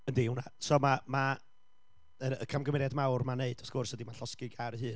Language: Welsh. Yndi, hwnna so ma' ma'... yr y camgymeriad mawr mae'n wneud, wrth gwrs, mae'n llosgi car ei hun,